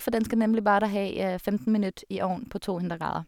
For den skal nemlig bare ha, ja, femten minutt i ovnen på to hundre grader.